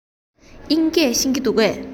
དབྱིན སྐད ཤེས ཀྱི འདུག གས